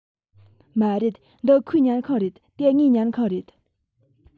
མ རེད འདི ཁོའི ཉལ ཁང རེད དེ ངའི ཉལ ཁང རེད